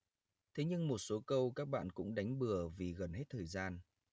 thế nhưng một số câu các bạn cũng đánh bừa vì gần hết thời gian